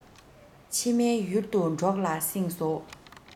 ཕྱི མའི ཡུལ དུ གྲོགས ལ བསྲིངས སོ